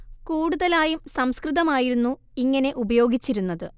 കൂടുതലായും സംസ്കൃതം ആയിരുന്നു ഇങ്ങനെ ഉപയോഗിച്ചിരുന്നത്